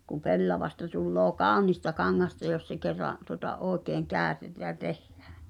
kun pellavasta tulee kaunista kangasta jos se kerran tuota oikein käytetään ja tehdään